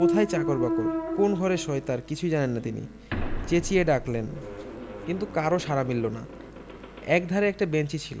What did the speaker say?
কোথায় চাকর বাকর কোন্ ঘরে শোয় তারা কিছুই জানেন না তিনি চেঁচিয়ে ডাকলেন কিন্তু কারও সাড়া মিলল না একধারে একটা বেঞ্চি ছিল